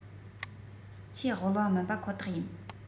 ཆེས དབུལ བ མིན པ ཁོ ཐག ཡིན